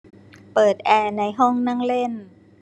เปิดแอร์ในห้องนั่งเล่น